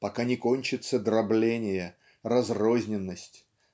пока не кончится дробление разрозненность